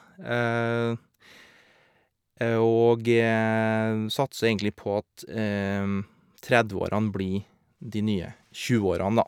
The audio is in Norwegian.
Og satser egentlig på at trettiårene blir de nye tjueårene, da.